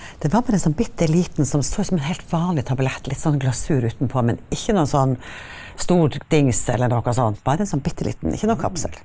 det var bare en sånn bitte liten som så ut som en helt vanlig tablett litt sånn glasur utenpå, men ikke noen sånn stor dings eller noe sånt bare en sånn bitte liten, ikke noen kapsel.